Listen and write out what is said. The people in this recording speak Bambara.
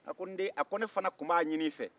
a ko n den ne fana tun b'a ɲinin i fɛ